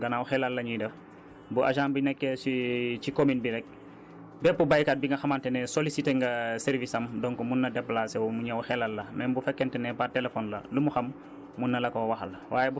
donc gannaaw xelal la ñuy def bu agent bi nekkee si ci commune bi rekk bépp baykat bi nga xamante ne soliciter nga service am donc mun na déplacer wu mu ñëw xelal la même bu fekkente ne par téléphone la lu mu xam mun na koo waxal